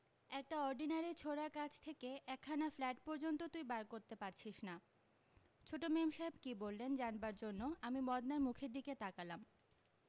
একটা অর্ডিনারি ছোঁড়ার কাছ থেকে একখানা ফ্ল্যাট পর্য্যন্ত তুই বার করতে পারছিস না ছোট মেমসাহেব কী বললেন জানবার জন্য আমি মদনার মুখের দিকে তাকালাম